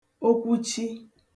okwuchi